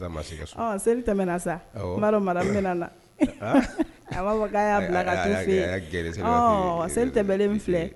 Seli sa mara min na a'a fɔ'a bila seli tɛ min filɛ